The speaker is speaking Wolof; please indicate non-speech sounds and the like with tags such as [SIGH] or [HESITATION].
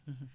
[HESITATION] [HESITATION]